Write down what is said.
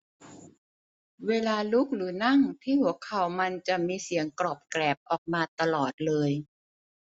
เวลาลุกหรือนั่งที่หัวเข่ามันจะมีเสียงกรอบแกรบออกมาตลอดเลย